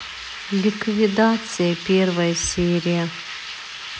ликвидация первая серия